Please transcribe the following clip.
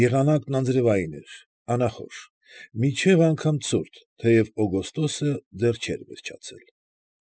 Եղանակն անձրևային էր, անախորժ, մինչև անգամ ցուրտ, թեև օգոստոսը դեռ չէր վերջացել։